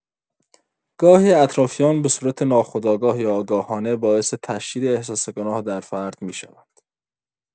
گاهی اطرافیان به‌صورت ناخودآگاه یا آگاهانه، باعث تشدید احساس گناه در فرد می‌شوند.